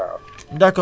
waaw